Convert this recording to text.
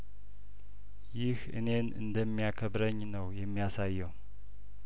ይህ እኔን እንደሚያከብረኝ ነው የሚያሳየው